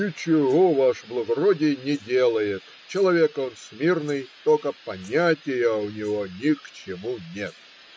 Ничего, ваше благородие, не делает, человек он смирный, только понятия у него ни к чему нет.